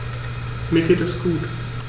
Mir geht es gut.